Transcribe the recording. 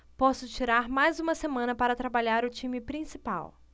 posso tirar mais uma semana para trabalhar o time principal